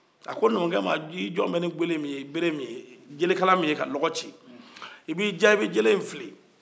a ko numukɛ man i jɔlen bɛ ni gele min ye bere min ye jelekala min ye ka dɔgɔ ci i b'i jan i bɛ jele in fili